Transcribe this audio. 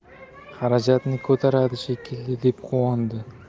xarajatni ko'taradi shekilli deb quvondi